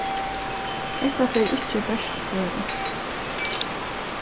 hetta fer ikki bert at hvørva